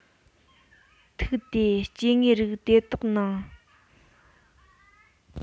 ཐིག དེ སྐྱེ དངོས རིགས དེ དག དེའི ནང མཐོང བའི རྒྱུན མཐུད ཀྱི ས རིམ ཡར འཕར དུ བཅུག ན